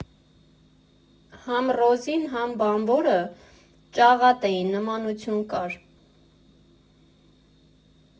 Հա՛մ Ռոզին, հա՛մ բանվորը ճաղատ էին, նմանություն կար։